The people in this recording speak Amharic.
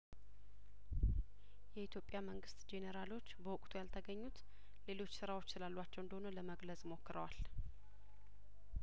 የኢትዮጵያ መንግስት ጄኔራሎች በወቅቱ ያልተገኙት ሌሎች ስራዎች ስላሏቸው እንደሆነ ለመግለጽ ሞክረዋል